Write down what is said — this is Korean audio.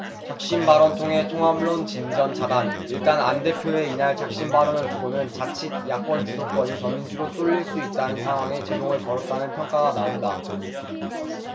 작심발언 통해 통합론 진전 차단 일단 안 대표의 이날 작심발언을 두고는 자칫 야권 주도권이 더민주로 쏠릴 수 있는 상황에 제동을 걸었다는 평가가 나온다